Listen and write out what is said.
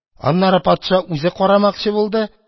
Аннары патша үзе карамакчы булды.